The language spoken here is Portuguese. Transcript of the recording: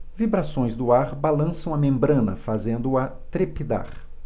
vibrações do ar balançam a membrana fazendo-a trepidar